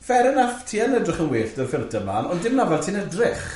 Fair enough, ti yn edrych yn well da ffilters mlan, ond dim na fel ti'n edrych.